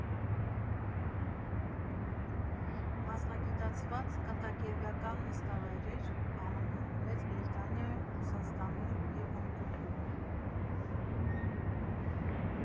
Մասնագիտացված կատակերգական նստավայրեր՝ ԱՄՆ֊ում, Մեծ Բրիտանիայում, Ռուսաստանում և Հոնկոնգում։